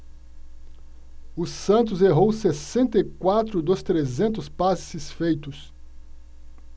o santos errou sessenta e quatro dos trezentos passes feitos